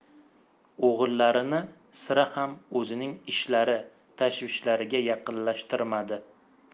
o'g'illarini sira ham o'zining ishlari tashvishlariga yaqinlashtirmadi